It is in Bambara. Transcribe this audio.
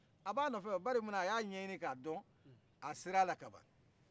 a b'a nɔfɛ o bari munna a y'a ɲɛɲinin k'a don a sera ala ka ban